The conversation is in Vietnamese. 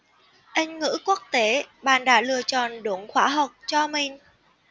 anh ngữ quốc tế bạn đã lựa chọn đúng khóa học cho mình